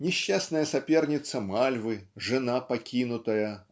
несчастная соперница Мальвы жена покинутая